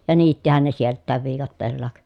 ja niittihän ne sieltäkin viikatteella